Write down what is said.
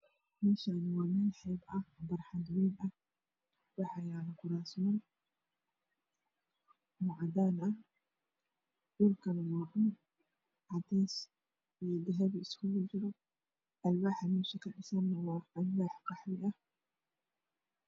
Meshaani waa meel xeep ah waxaa yala kuurs o cadaan ah dhulkana waa cades iyo dahapi iskugu jira alwaaxa meesha kadhisana waa alwaax qaxwi ah